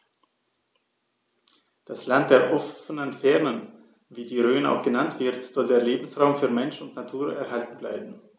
Das „Land der offenen Fernen“, wie die Rhön auch genannt wird, soll als Lebensraum für Mensch und Natur erhalten werden.